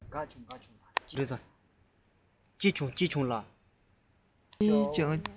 སྐྱིད བྱུང སྐྱིད བྱུང ལ